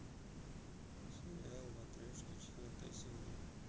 сериал матрешки четвертая серия